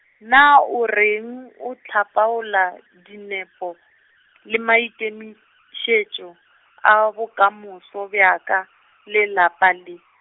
naa o reng o hlapaola dinepo, le maikemišetšo, a bokamoso bjaka, le lapa le.